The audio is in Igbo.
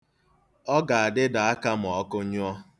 Ọ ga-adịda aka ma ọkụ nyụọ.